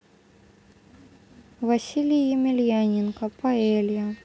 василий емельяненко паэлья